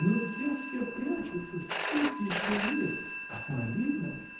Но те все прячутся, стыд еще есть: а Марина!.